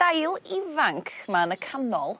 dail ifanc ma' yn y canol